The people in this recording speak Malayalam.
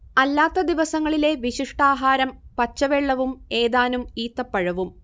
അല്ലാത്ത ദിവസങ്ങളിലെ വിശിഷ്ടാഹാരം പച്ചവെള്ളവും ഏതാനും ഈത്തപ്പഴവും